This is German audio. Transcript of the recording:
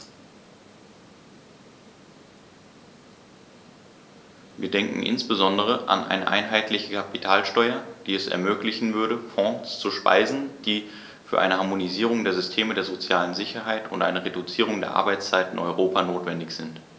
Wir denken insbesondere an eine einheitliche Kapitalsteuer, die es ermöglichen würde, Fonds zu speisen, die für eine Harmonisierung der Systeme der sozialen Sicherheit und eine Reduzierung der Arbeitszeit in Europa notwendig sind.